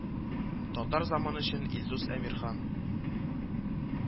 Татар заманы өчен Илдус Әмирхан